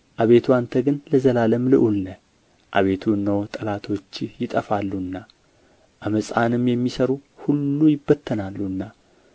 አቤቱ አንተ ግን ለዘላለም ልዑል ነህ አቤቱ እነሆ ጠላቶችህ ይጠፋሉና ዓመፃንም የሚሠሩ ሁሉ ይበተናሉና